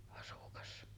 asukas